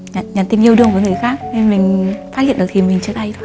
nhắn nhắn tin yêu đương với người khác nên mình phát hiện được thì mình chia tay thôi